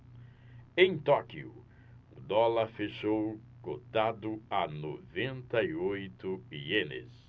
em tóquio o dólar fechou cotado a noventa e oito ienes